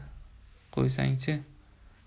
qo'ysang chi